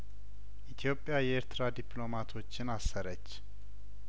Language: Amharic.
ኢትዮጵያየኤርትራ ዲፕሎማቶችን አሰረች